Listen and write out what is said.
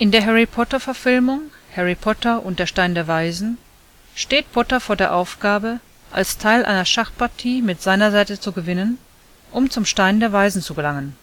der Harry-Potter-Verfilmung Harry Potter und der Stein der Weisen steht Potter vor der Aufgabe, als Teil einer Schachpartie mit seiner Seite zu gewinnen, um zum Stein der Weisen zu gelangen